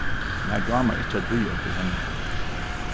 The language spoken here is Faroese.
mær dámar ikki at bíða eftir henni